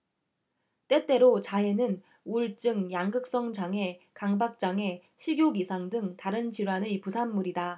때때로 자해는 우울증 양극성 장애 강박 장애 식욕 이상 등 다른 질환의 부산물이다